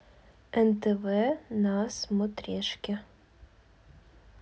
нтв на смотрешке